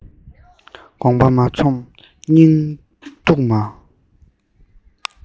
དགོངས པ མ ཚོམས སྙིང སྡུག མ